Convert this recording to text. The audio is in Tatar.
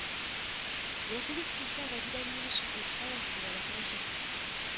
Беләсегез килсә, Гадилә минем өчен утка да, суга да керәчәк